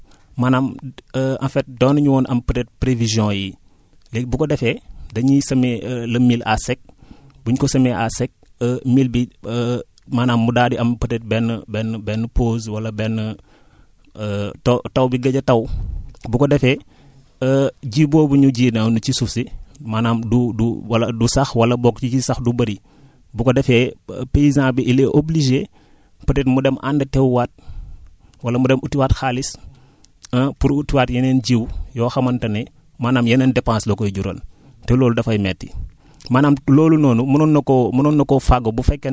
semis à sec du mil waaw te loolu noonu maanaam en fait doonuñu woon am peut être prévisions yii léegi bu ko defee dañuy semer le mil à sec buñ ko semer à sec mil bi maanaam mu daal di am peut être benn benn benn benn pause wala benn taw bi gëj a taw bu ko defee ji boobu ñu ji noonu ci suuf si maanaam du du wala du sax wala book li ciy sax du bëri bu ko defee paysan bi il est obligé peut être mu dem àndatewaat wala mu dem utiwaat xaalis ah pour utiwaat yeneen jiw yoo xamante ne maanaam yeneen dépenses la koy jural te loolu dafay métti